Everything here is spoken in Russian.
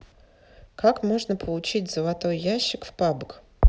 как можно получить золотой ящик в pubg